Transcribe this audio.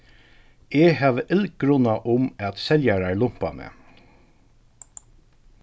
eg havi illgruna um at seljarar lumpa meg